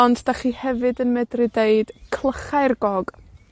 Ond 'dach chi hefyd yn medru deud Clychau'r Gog.